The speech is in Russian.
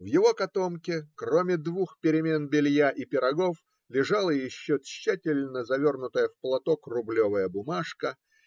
В его котомке, кроме двух перемен белья и пирогов, лежала еще тщательно завернутая в платок рублевая бумажка.